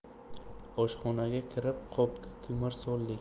oshxonaga kirib qopga ko'mir soldik